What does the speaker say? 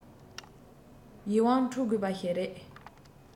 ཡིད དབང འཕྲོག དགོས པ ཞིག རེད